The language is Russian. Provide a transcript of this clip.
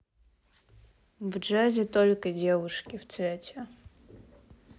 в джазе только девушки в цвете